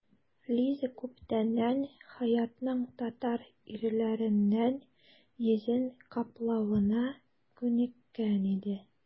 Лиза күптәннән Хәятның татар ирләреннән йөзен каплавына күнеккән иде.